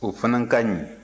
o fana ka ɲi